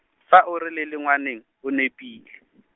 fa o re le le ngwaneng, o nepile.